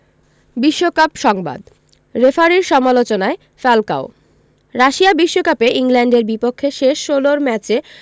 বিশ্বকাপ সংবাদ রেফারির সমালোচনায় ফ্যালকাও রাশিয়া বিশ্বকাপে ইংল্যান্ডের বিপক্ষে শেষ ষোলোর ম্যাচে